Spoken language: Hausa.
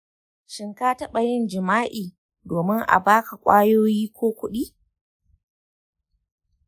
shin ka taɓa yin jima'i domin a ba ka ƙwayoyi ko kuɗi?